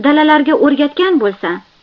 dalalarga o'rgatgan bo'lsa